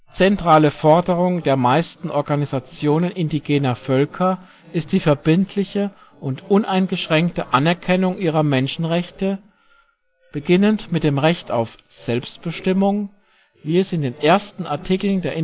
Zentrale Forderung der meisten Organisationen indigener Völker ist die verbindliche und uneingeschränkte Anerkennung ihrer Menschenrechte, beginnend mit dem Recht auf Selbstbestimmung, wie es in den ersten Artikeln der